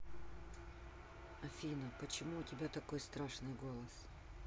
афина почему у тебя такой страшный голос